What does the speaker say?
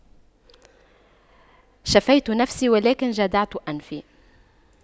شفيت نفسي ولكن جدعت أنفي